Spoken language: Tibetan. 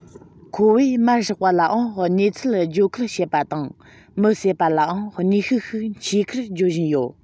ཁོ བོས མེར བསྲེགས པ ལའང གནས ཚུལ ཡོད ཁུལ བྱེད པ དང མི བསད པ ལའང གནས ཤུགས ཤིག མཆིས ཁུལ བརྗོད བཞིན ཡོད